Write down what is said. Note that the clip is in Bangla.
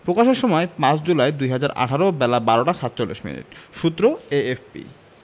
প্রকাশের সময় ৫ জুলাই ২০১৮ বেলা ১২টা ৪৭ মিনিট সূত্র এএফপি